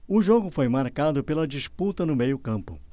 o jogo foi marcado pela disputa no meio campo